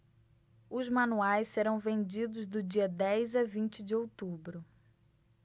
os manuais serão vendidos do dia dez a vinte de outubro